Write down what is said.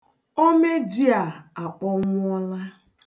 Ome ji a akpọnwụọla.